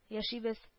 Яшибез